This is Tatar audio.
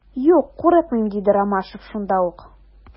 Юк, курыкмыйм, - диде Ромашов шунда ук.